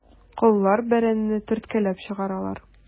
Коллар бәрәнне төрткәләп чыгаралар.